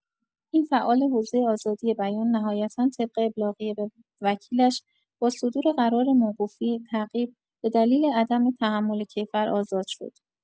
این فعال حوزه آزادی بیان نهایتا طبق ابلاغیه به وکیلش، با صدور قرار موقوفی تعقیب بدلیل عدم تحمل کیفر آزاد شد.